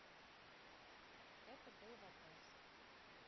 это был вопрос